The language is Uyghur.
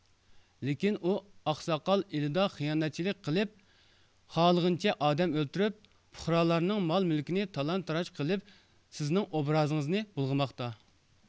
لېكىن ئۇ ئاقساقال ئىلىدا خىيانەتچىلىك قىلىپ خالىغىنىچە ئادەم ئۆلتۈرۈپ پۇقرالارنىڭ مال مۈلكىنى تالان تاراج قىلىپ سىزنىڭ ئوبرازىڭىزنى بۇلغىماقتا